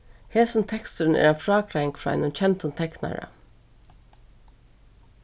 hesin teksturin er ein frágreiðing frá einum kendum teknara